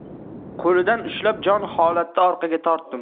qo'lidan ushlab jonholatda orqaga tortdim